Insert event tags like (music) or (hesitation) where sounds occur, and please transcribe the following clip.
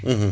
(hesitation) (hesitation)